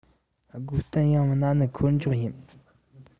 སྒོ གཏད ཡང མིན ན ནི འཁོར འཇོག ཡིན